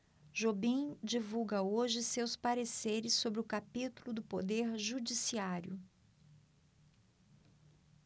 jobim divulga hoje seus pareceres sobre o capítulo do poder judiciário